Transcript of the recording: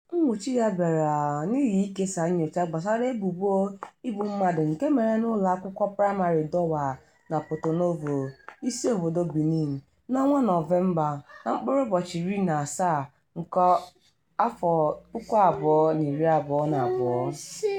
Nnwuchi ya bịara n'ihi ikesa nnyocha gbasara ebubo igbu mmadụ nke mere n'ụlọakwụkwọ praịmarị Dowa na Porto-Novo (isiobodo Benin) na Nọvemba 17, 2022.